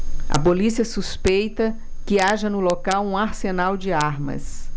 a polícia suspeita que haja no local um arsenal de armas